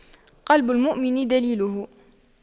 قلب المؤمن دليله